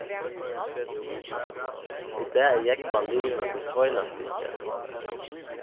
í dag er jógvan liðugur við sveinastykkið